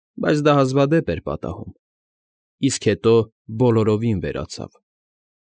Բայց դա հազվադեպ էր պատահում, իսկ հետո բոլորովին վերացավ։